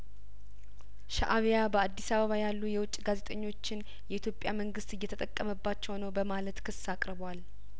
ሻእቢያ በአዲስ አበባ ያሉ የውጭ ጋዜጠኞችን የኢትዮጵያ መንግስት እየተጠቀመባቸው ነው በማለት ክስ አቅርቧል